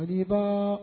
Ayiwaba